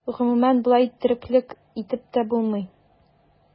Гомумән, болай тереклек итеп тә булмый.